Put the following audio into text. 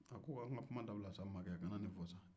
a ko wa an ka kuma dabila saa kana nin fɔ